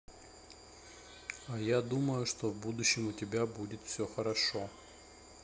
а я думаю что в будущем у тебя будет все хорошо